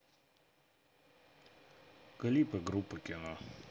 клипы группы кино